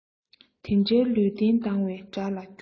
དེ འདྲའི ལུས རྟེན སྡང བའི དགྲ ལ འགྱུར